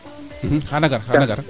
xana gar xana gar